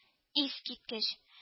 — искиткеч